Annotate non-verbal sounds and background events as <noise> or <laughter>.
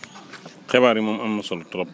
<noise> xibaar yi moom am na solo trop